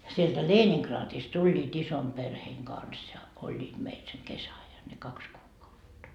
sieltä Leningradista tulivat ison perheen kanssa ja olivat meillä sen kesäajan ne kaksi kuukautta